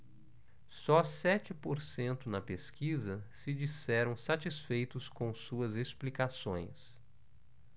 só sete por cento na pesquisa se disseram satisfeitos com suas explicações